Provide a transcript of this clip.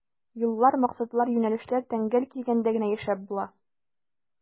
Юллар, максатлар, юнәлешләр тәңгәл килгәндә генә яшәп була.